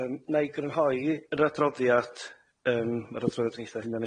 Yym 'na i grynhoi yr adroddiad yym ma'r adroddiad yn eitha'